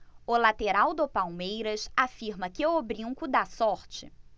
o lateral do palmeiras afirma que o brinco dá sorte